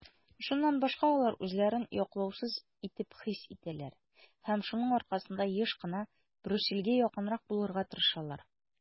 Шуннан башка алар үзләрен яклаусыз итеп хис итәләр һәм шуның аркасында еш кына Брюссельгә якынрак булырга тырышалар.